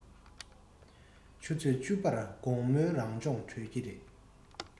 ཆུ ཚོད བཅུ པར དགོང མོའི རང སྦྱོང གྲོལ ཀྱི རེད